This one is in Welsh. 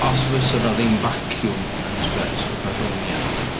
Os fysa 'na ddim vacuum yn space, fatha rhwng ni a'r haul.